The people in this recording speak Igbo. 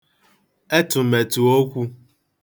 etụ̀mètụ̀okwū